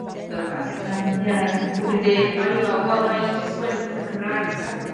ne' rwbath. Ie, ie. ...wedyn o'n i'n me'wl wel 'na i jyst sgwennu petha'n Cymraeg 'ta.